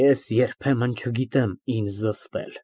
Ես երբեմն չգիտեմ ինձ զսպել։